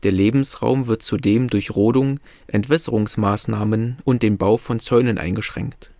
Lebensraum wird zudem durch Rodung, Entwässerungsmaßnahmen und den Bau von Zäunen eingeschränkt